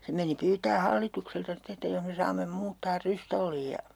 se meni pyytämään hallitukselta sitten että jos me saamme muuttaa Rystolliin ja